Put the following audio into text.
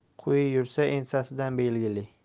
qui yursa ensasidan belgili